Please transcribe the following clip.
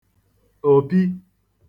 Òpi